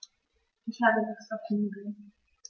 Ich habe Lust auf Nudeln.